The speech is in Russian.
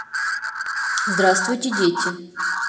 здравствуйте дети